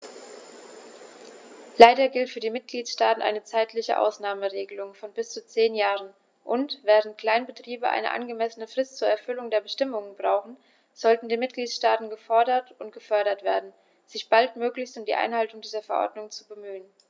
Leider gilt für die Mitgliedstaaten eine zeitliche Ausnahmeregelung von bis zu zehn Jahren, und, während Kleinbetriebe eine angemessene Frist zur Erfüllung der Bestimmungen brauchen, sollten die Mitgliedstaaten gefordert und gefördert werden, sich baldmöglichst um die Einhaltung dieser Verordnung zu bemühen.